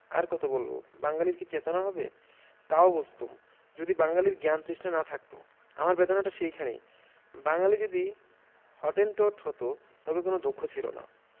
আর কত বলব বাঙালীর কি চেতনা হবে তাও বুঝতুম যদি বাঙালীর জ্ঞানতৃষ্ণা না থাকত আমার বেদনাটা সেইখানে বাঙালী যদি হটেনটট হত তবে কোন দুঃখ ছিল না